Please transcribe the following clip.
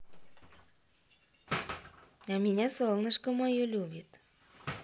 а меня солнышко мое любит